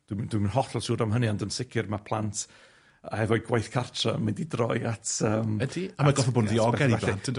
Dwi'm dwi'm yn hollol siŵr am hynny, ond yn sicir ma' plant hefo'u gwaith cartra yn mynd i droi at yym .